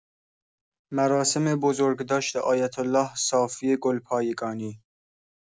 مراسم بزرگداشت آیت‌الله صافی گلپایگانی